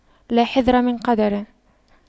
لا حذر من قدر